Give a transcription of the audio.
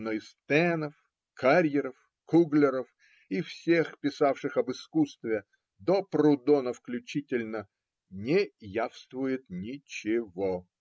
Но из Тэнов, Карьеров, Куглеров и всех, писавших об искусстве, до Прудона включительно, не явствует ничего.